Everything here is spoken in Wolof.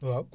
waaw